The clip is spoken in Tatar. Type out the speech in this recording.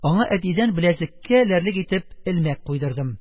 Аңа әтидән беләзеккә эләрлек итеп элмәк куйдырдым.